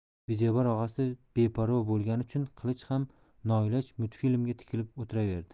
videobar og'asi beparvo bo'lgani uchun qilich ham noiloj multfilmga tikilib o'tiraverdi